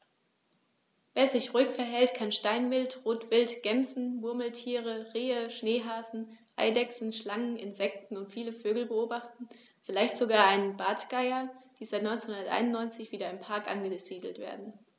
Wer sich ruhig verhält, kann Steinwild, Rotwild, Gämsen, Murmeltiere, Rehe, Schneehasen, Eidechsen, Schlangen, Insekten und viele Vögel beobachten, vielleicht sogar einen der Bartgeier, die seit 1991 wieder im Park angesiedelt werden.